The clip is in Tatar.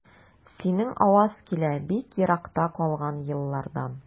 Синең аваз килә бик еракта калган еллардан.